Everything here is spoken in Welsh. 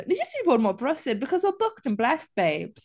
Ni jyst wedi bod mor brysur, because we're booked and blessed, babes.